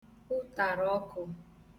ụtàrà ọkụ